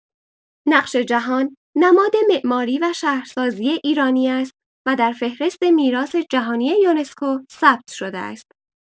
نقش‌جهان نماد معماری و شهرسازی ایرانی است و در فهرست میراث جهانی یونسکو ثبت شده است.